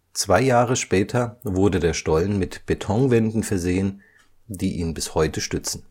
Zwei Jahre später wurde der Stollen mit Betonwänden versehen, die ihn bis heute stützen